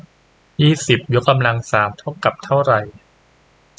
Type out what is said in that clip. ยี่สิบยกกำลังสามเท่ากับเท่าไร